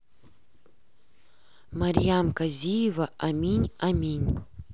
марьям казиева аминь аминь